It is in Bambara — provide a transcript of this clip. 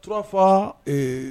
U tfa